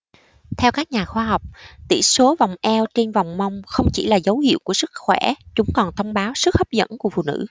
theo các nhà khoa học tỷ số vòng eo trên vòng mông không chỉ là dấu hiệu của sức khỏe chúng còn thông báo sức hấp dẫn của phụ nữ